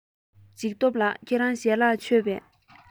འཇིགས སྟོབས ལགས ཁྱེད རང ཞལ ལག མཆོད པས